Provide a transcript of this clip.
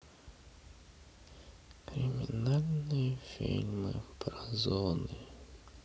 криминальные фильмы про зоны